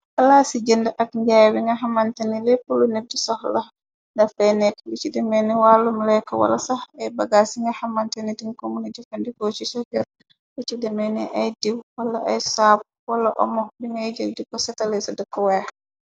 Palasi jënda ak jaay bi nga xamante ni lép lu nit di soxla dafey nèkka li ci demeni wàllum lekka wala sax ay bagaas yi nga xamante ni ñing Koy jëfandikoo ci sa kér li ci demeni ay diiw wala ay sabu wala omo bi ngay jël di ko settaléé sa dëkku way.